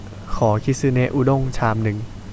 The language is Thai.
ขอคิสึเนะอุด้งชามหนึ่ง